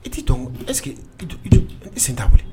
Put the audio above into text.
I t'i tɔ est ce que i jɔ i jɔ est ce que n t'a weele.